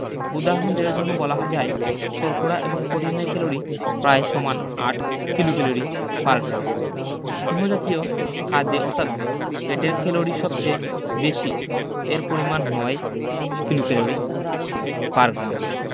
উদাহরণ দেয়ার জন্যে বলা যায় শর্করা এবং প্রোটিনের ক্যালরি প্রায় সমান ৮ কিলোক্যালরি পার গ্রাম স্নেহ জাতীয় খাদ্যে অর্থাৎ ফ্যাটের ক্যালরি সবচেয়ে বেশি এর পরিমান ৯ কিলোক্যালরি পার গ্রাম